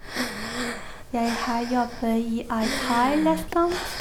Jeg har jobba i ei thairestaurant.